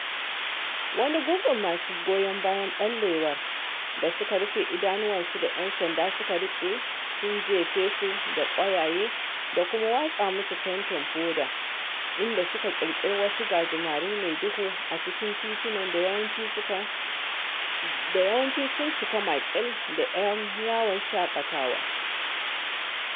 Wani gungu masu goyon bayan ɓallewar da suka rufe idanuwansu da ‘yan sanda suka riƙe sun jefe su da ƙwayaye da kuma watsa musu fentin foda, inda suka ƙirƙiri wasu gajimare mai duhu a cikin titunan da yawanci sukan cika maƙil da ‘yan yawon shaƙatawa.